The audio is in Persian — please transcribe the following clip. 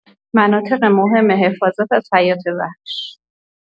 مناطق مهم حفاظت از حیات‌وحش